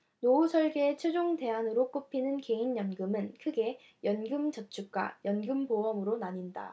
노후설계의 최종 대안으로 꼽히는 개인연금은 크게 연금저축과 연금보험으로 나뉜다